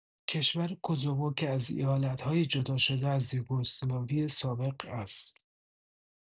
کشور کوزوو که از ایالت‌های جدا شده از یوگسلاوی سابق است.